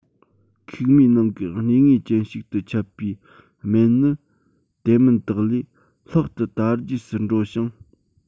ཁུག མའི ནང གི གནས ངེས ཅན ཞིག ཏུ ཁྱབ པའི རྨེན ནི དེ མིན དག ལས ལྷག ཏུ དར རྒྱས སུ འགྲོ ཞིང